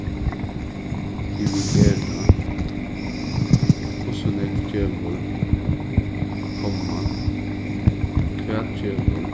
dividera hvussu nógv gevur komma hvat gevur